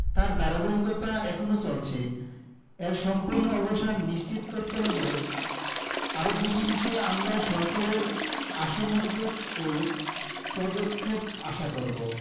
তার ধারাবাহিকতা এখনো চলছে এর সম্পূর্ণ অবসান নিশ্চিত করতে হবে আরও দুটি বিষয়ে আমরা সরকারের আশু মনোযোগ ও পদক্ষেপ আশা করব